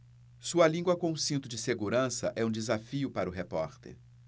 sua língua com cinto de segurança é um desafio para o repórter